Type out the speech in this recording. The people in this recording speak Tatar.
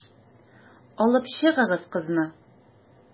Алып чыгыгыз кызны.